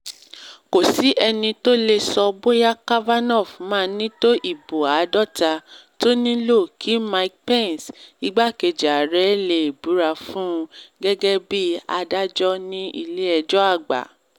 Kò sí ẹni tó lè sọ bóyá Kavanaugh máa ní tó ibò 50 tó ní lò kí Mike Pence, igbákejì ààrẹ, lè búra fun un gẹ́gẹ́ bí adájọ́ ní Ilé-ẹjọ́ Àgbà.